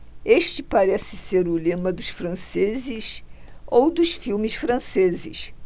este parece ser o lema dos franceses ou dos filmes franceses